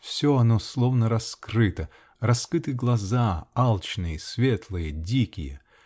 Все оно словно раскрыто: раскрыты глаза, алчные, светлые, дикие